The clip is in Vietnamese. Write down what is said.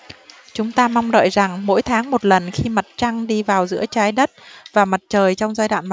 chúng ta mong đợi rằng mỗi tháng một lần khi mặt trăng đi vào giữa trái đất và mặt trời trong giai đoạn